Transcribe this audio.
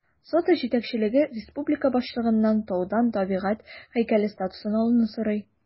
Сода җитәкчелеге республика башлыгыннан таудан табигать һәйкәле статусын алуны сорый.